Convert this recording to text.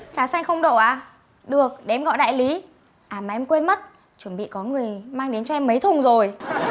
trà xanh không độ ạ được để em gọi đại lý à mà em quên mất chuẩn bị có người mang đến cho em mấy thùng rồi